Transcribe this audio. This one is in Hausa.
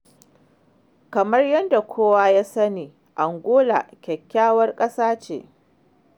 Kamar yadda kowa ya sani, Angola kyakkywar ƙasa ce.